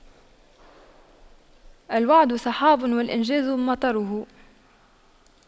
الوعد سحاب والإنجاز مطره